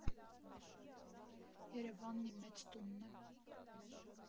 Երևանն իմ մեծ տունն է։